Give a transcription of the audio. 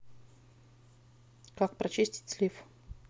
как прочистить слив